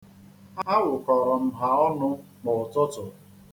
A wụkọrọ m ha ọnụ n'ụtụtụ.